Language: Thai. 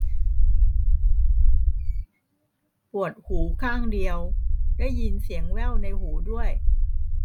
ปวดหูข้างเดียวได้ยินเสียงแว่วในหูด้วย